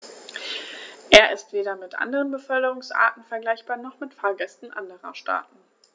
Er ist weder mit anderen Beförderungsarten vergleichbar, noch mit Fahrgästen anderer Staaten.